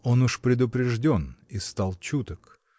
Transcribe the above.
Он уж предупрежден и стал чуток.